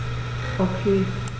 Okay.